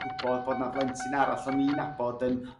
gw'bod bo 'na blentyn arall o'n i'n nabod yn